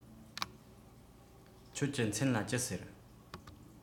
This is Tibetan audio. ཁྱེད ཀྱི མཚན ལ ཅི ཟེར